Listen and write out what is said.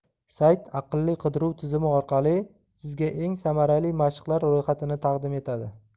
sayt aqlli qidiruv tizimi orqali sizga eng samarali mashqlar ro'yxatini taqdim etadi